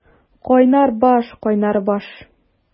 Кайнар баш, кайнар баш!